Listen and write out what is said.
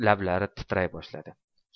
lablari titray boshladi